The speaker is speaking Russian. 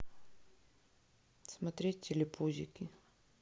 смотреть телепузики